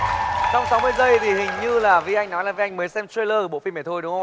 trong sáu mươi giây thì như là vy anh nói là vy anh mới xem trai lơ của bộ phim này thôi đúng không ạ